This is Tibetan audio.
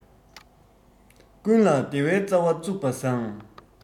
ཀུན ལ བདེ བའི རྩ བ བཙུགས པ བཟང